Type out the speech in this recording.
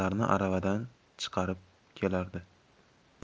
aravadan chiqarib kelardi